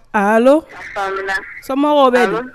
A so bɛ na